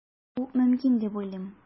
Бу мөмкин дип уйлыйм.